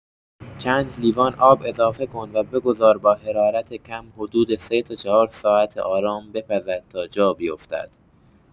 چند لیوان آب اضافه کن و بگذار با حرارت کم حدود ۳ تا ۴ ساعت آرام بپزد تا جا بیفتد.